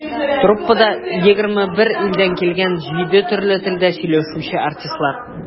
Труппада - 21 илдән килгән, җиде төрле телдә сөйләшүче артистлар.